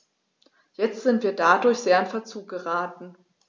Jetzt sind wir dadurch sehr in Verzug geraten.